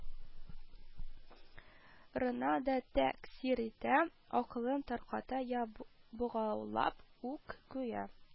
Рына да тәэсир итә, акылын тарката йә богаулап ук куя